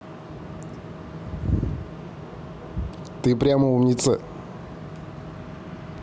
ты прям умница